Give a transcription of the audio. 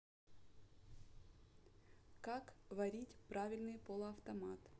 как варить правильный полуавтомат